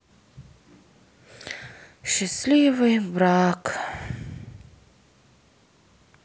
счастливый брак